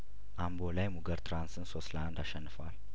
አምቦ ላይ ሙገር ትራንስን ሶስት ለአንድ አሸንፏል